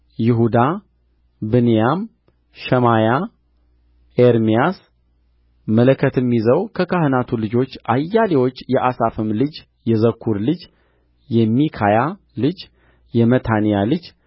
ይሁዳ ብንያም ሸማያ ኤርምያስ መለከትም ይዘው ከካህናቱ ልጆች አያሌዎች የአሳፍም ልጅ የዘኩር ልጅ የሚካያ ልጅ የመታንያ ልጅ